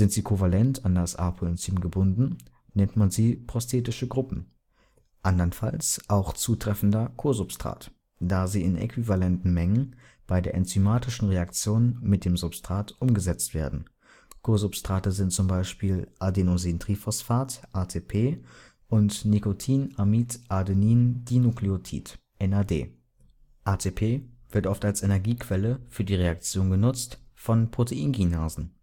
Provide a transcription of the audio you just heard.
sie kovalent an das Apoenzym gebunden, nennt man sie prosthetische Gruppen, andernfalls auch zutreffender Kosubstrat, da sie in äquivalenten Mengen bei der enzymatischen Reaktion mit dem Substrat umgesetzt werden. Kosubstrate sind zum Beispiel Adenosintriphosphat (ATP) und Nicotinamidadenindinukleotid (NAD). ATP wird oft als Energiequelle für die Reaktion genutzt, von Proteinkinasen